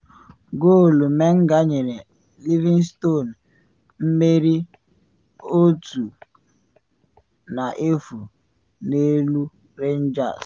Goolu Menga nyere Livingston mmeri 1-0 n’elu Rangers